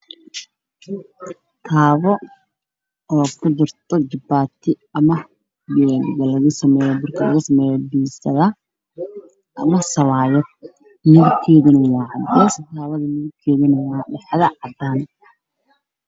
Meeshaan waxaa ka muuqato barkaawo birkaawadayaal waxaa lagu dumiyaa burburkiisa waa caddaanka waa midow ga